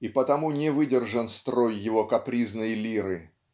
и потому не выдержан строй его капризной лиры